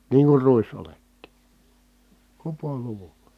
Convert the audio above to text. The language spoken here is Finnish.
niin kun ruisoljetkin kupoluvulla